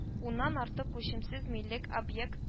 Уннан артык күчемсез милек объект